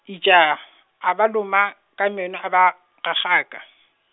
ija, a ba loma, ka meno a ba, ragaka.